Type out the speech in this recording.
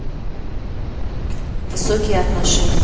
высокие отношения